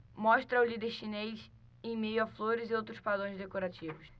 mostra o líder chinês em meio a flores e outros padrões decorativos